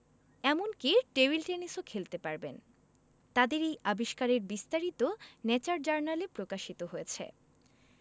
এমনকি টেবিল টেনিসও খেলতে পারবেন তাদের এই আবিষ্কারের বিস্তারিত ন্যাচার জার্নালে প্রকাশিত হয়েছে